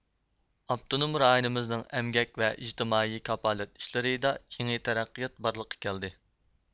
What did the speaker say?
ئاپتونوم رايونىمىزنىڭ ئەمگەك ۋە ئىجتىمائىي كاپالەت ئىشلىرىدا يېڭى تەرەققىيات بارلىققا كەلدى